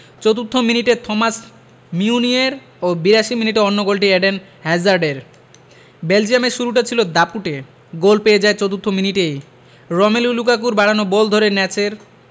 চতুর্থ মিনিটে Thomas Meunier ও ৮২ মিনিটে অন্য গোলটি এডেন হ্যাজার্ডের বেলজিয়ামের শুরুটা ছিল দাপুটে গোল পেয়ে যায় চতুর্থ মিনিটেই রোমেলু লুকাকুর বাড়ানো বল ধরে ন্যাচের